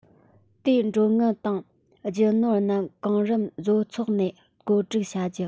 དེའི གྲོན དངུལ དང རྒྱུ ནོར རྣམས གོང རིམ བཟོ ཚོགས ནས བཀོད སྒྲིག བྱ རྒྱུ